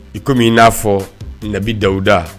I komi min i n'a fɔ nabi dawuda